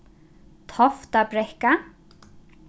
toftabrekka